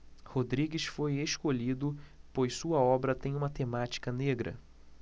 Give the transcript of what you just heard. rodrigues foi escolhido pois sua obra tem uma temática negra